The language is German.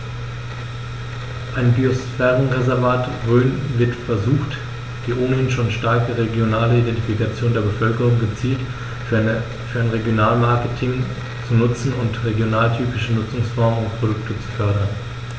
Im Biosphärenreservat Rhön wird versucht, die ohnehin schon starke regionale Identifikation der Bevölkerung gezielt für ein Regionalmarketing zu nutzen und regionaltypische Nutzungsformen und Produkte zu fördern.